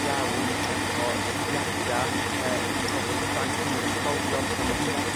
iawn efo y pigiada' yrr i bobl ifanc yn yr ysgolion dach'o ma' hwna 'di